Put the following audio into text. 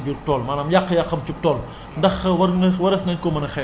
war nañoo mën a xayma dégat gu mu mën a def ci biir tool maanaam yàq-yàq cib tool